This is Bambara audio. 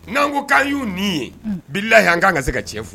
N'an ko k'a y'u nin ye, unhun, wallahi an ka kan ka se ka tiɲɛ fɔ u ye